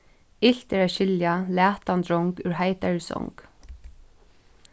ilt er at skilja latan drong úr heitari song